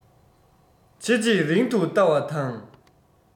ཕྱི རྗེས རིང དུ ལྟ བ དང